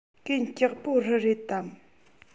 གན ལྕོགས པོ རི རེད དམ